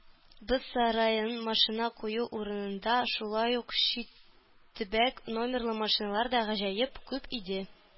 Боз сараеның машина кую урынында шулай ук чит төбәк номерлы машиналар да гаҗәеп күп иде.